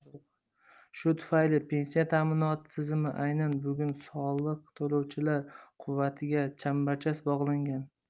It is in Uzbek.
shu tufayli pensiya ta'minoti tizimi aynan bugun soliq to'lovchilar quvvatiga chambarchas bog'langan